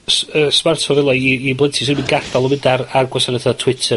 s- yy smart phone fel 'a i i blentyn, 'swn i'm yn gadal o mynd ar ar gwasaneth fel Twitter